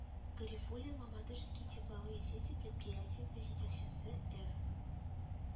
Гарифуллин, Мамадышские тепловые сети предприятиесе җитәкчесе эР